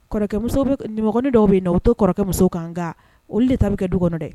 Dɔw bɛ na u to kɔrɔkɛmuso kan olu de ta bɛ kɛ du kɔnɔ dɛ